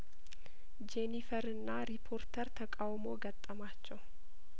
ጄኒፈርና ሪፖርተር ተቃውሞ ገጠማቸው